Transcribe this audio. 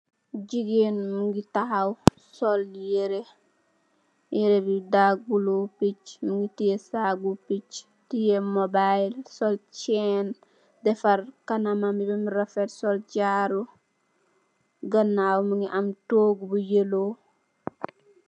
Jegain muge tahaw sol yereh, yereh be dark blue, pitch muge teye sagbu pitch teye mobile sol chin defarr kanamam be bam refet sol jaaru ganaw muge am toogu bu yellow.